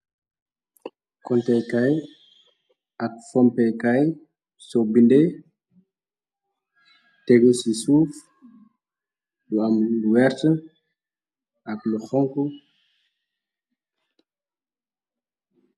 Contekaay ak fompekaay so binde tegu ci suuf lu am wert ak lu xonku.